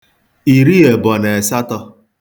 ìriẹ̀bọ̀ nà ẹ̀satọ̄